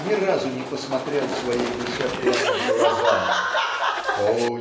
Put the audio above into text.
ни разу не посмотрел своей душе прямо в глаза. О